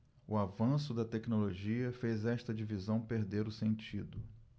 o avanço da tecnologia fez esta divisão perder o sentido